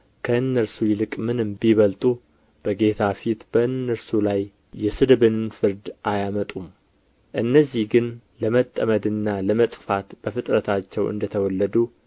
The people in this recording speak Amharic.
ከእነርሱ ይልቅ ምንም ቢበልጡ በጌታ ፊት በእነርሱ ላይ የስድብን ፍርድ አያመጡም እነዚህ ግን ለመጠመድና ለመጥፋት በፍጥረታቸው እንደ ተወለዱ